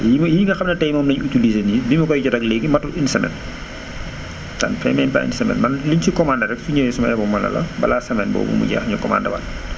ñi ma yi nga xam ne tey moom lañ utilisé nii bi ma koy jot ak léegi motul une semaine ça ne fait même pas une semaine maanaam lu ñu commandé rek su ñëwee su ma eboo ma ne la balaa semaine boobu mu jeex ñu commandé waat